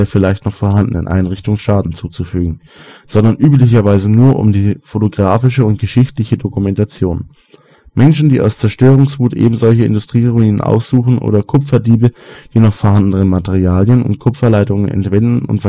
vielleicht noch vorhandenen Einrichtung Schaden zuzufügen, sondern üblicherweise nur um die fotografische und geschichtliche Dokumentation. Menschen, die aus Zerstörungswut eben solche Industrieruinen aufsuchen, oder Kupferdiebe, die noch vorhandene Materialien und Kupferleitungen entwenden und verkaufen